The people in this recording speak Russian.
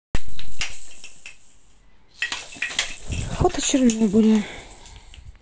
фото чернобыля